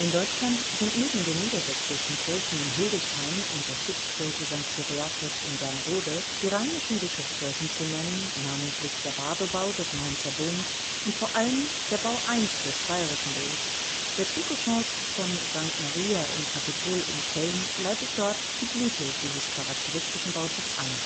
Deutschland sind neben den (nieder -) sächsischen Kirchen in Hildesheim und im Harzgebiet (Stiftskirche St. Cyriakus (Gernrode)) die rheinischen Bischofskirchen zu nennen, namentlich der Bardo-Bau des Mainzer Doms (ab 1009) und vor allem der Bau I des Speyerer Doms. Der Trikonchos von St. Maria im Kapitol in Köln leitet dort die Blüte dieses charakteristischen Bautypus ein